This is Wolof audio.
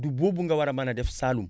du boobu nga war a mën a def Saalum